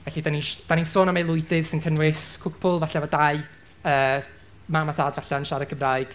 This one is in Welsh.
Felly, dan ni'n sh- dan ni'n sôn am aelwydydd sy'n cynnwys cwpwl, falle efo dau yy mam a dad falle yn siarad Cymraeg.